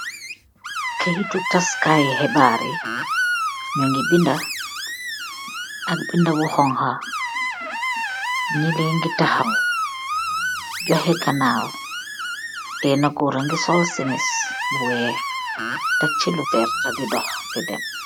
Kehitu tasseh kai hibaar yi nyungi binda ak binda bu honha , nyillehgi tahaw joheh ganaw bena gorr rangi soll simish bu weahh deffchi lu vert teh di dohh di dem .